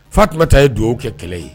Fa tun ta ye dugaw kɛ kɛlɛ ye